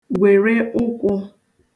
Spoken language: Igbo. gwère ụkwụ̄